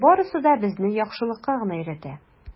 Барысы да безне яхшылыкка гына өйрәтә.